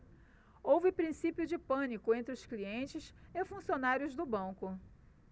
houve princípio de pânico entre os clientes e funcionários do banco